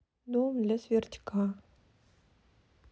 дом для сверчка